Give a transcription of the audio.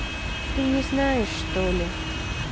ты не знаешь чтоли